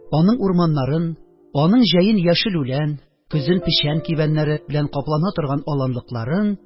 Аның урманнарын, аның җәен – яшел үлән, көзен печән кибәннәре белән каплана торган аланлыкларын,